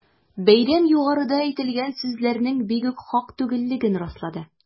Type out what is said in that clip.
Бәйрәм югарыда әйтелгән сүзләрнең бигүк хак түгеллеген раслады.